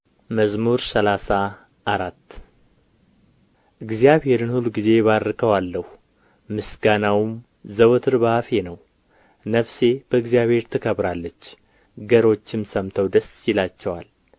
መዝሙር ሰላሳ አራት እግዚአብሔርን ሁልጊዜ እባርከዋለሁ ምስጋናውንም ዘወትር በአፌ ነው ነፍሴ በእግዚአብሔር ትከብራለች ገሮችም ሰምተው ደስ ይላቸዋል